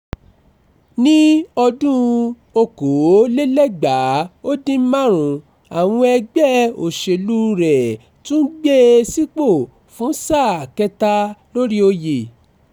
Ní ọdún 2015, àwọn ẹgbẹ́ òṣèlúu rẹ̀ tún gbé e sípò fún sáà kẹ́ta lórí oyè.